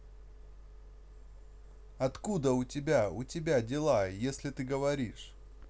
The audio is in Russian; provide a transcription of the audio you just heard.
откуда у тебя у тебя дела если ты говоришь